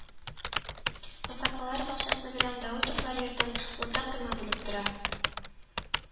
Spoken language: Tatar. Мостафалар бакчасы белән Даутовлар йортын уртак койма бүлеп тора